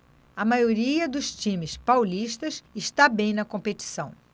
a maioria dos times paulistas está bem na competição